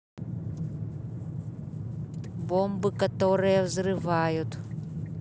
бомбы которые взрывают